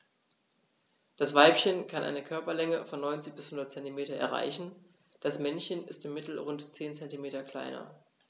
Das Weibchen kann eine Körperlänge von 90-100 cm erreichen; das Männchen ist im Mittel rund 10 cm kleiner.